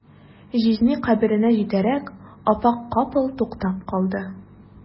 Җизни каберенә җитәрәк, апа капыл туктап калды.